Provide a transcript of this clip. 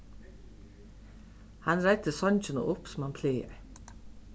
hann reiddi songina upp sum hann plagar